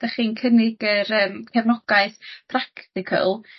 'dach chi'n cynnig yr yym cefnogaeth practical